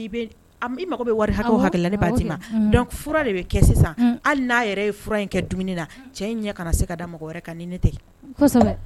Mago wari hakɛ la fura bɛ kɛ hali n'a fura in kɛ dumuni na cɛ ɲɛ se ka da mɔgɔ wɛrɛ kan ni ne tɛ